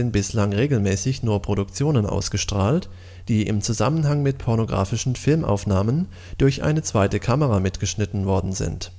bislang regelmäßig nur Produktionen ausgestrahlt, die im Zusammenhang mit pornografischen Filmaufnahmen durch eine zweite Kamera mitgeschnitten worden sind